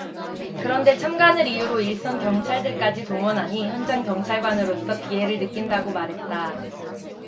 그런데 참관을 이유로 일선 경찰들까지 동원하니 현장 경찰관으로서 비애를 느낀다고 말했다